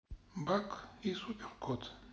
баг и супер кот